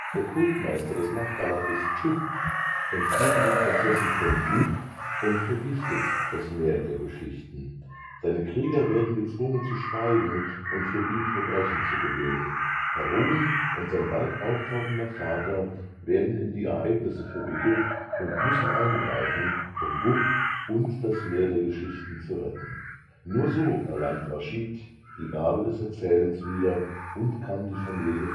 Der Kultmeister des Nachbarlandes Chup entführte die Prinzessin von Gup und vergiftet das Meer der Geschichten. Seine Krieger werden gezwungen, zu schweigen und für ihn Verbrechen zu begehen. Harun und sein bald auftauchender Vater werden in die Ereignisse verwickelt und müssen eingreifen, um Gup und das Meer der Geschichten zu retten. Nur so erlangt Raschid die Gabe des Erzählens wieder und kann die Familie